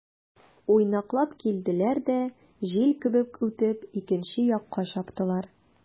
Уйнаклап килделәр дә, җил кебек үтеп, икенче якка чаптылар.